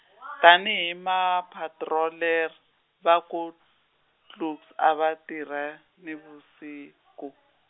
tani hi ma patroller, va ku, Klux a va tirha, ni vusiku.